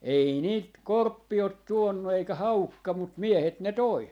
ei niitä korppi ole tuonut eikä haukka mutta miehet ne toi